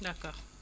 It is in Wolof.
d' accord